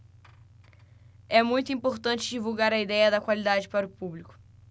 é muito importante divulgar a idéia da qualidade para o público